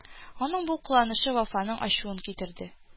Аның бу кыланышы Вафаның ачуын китерде: